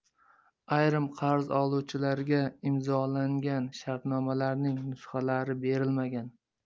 ayrim qarz oluvchilarga imzolangan shartnomalarning nusxalari berilmagan